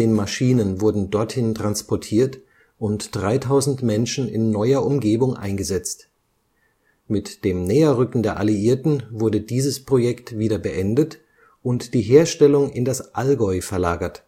Maschinen wurden dorthin transportiert und 3.000 Menschen in neuer Umgebung eingesetzt. Mit dem Näherrücken der Alliierten wurde dieses Projekt wieder beendet und die Herstellung in das Allgäu verlagert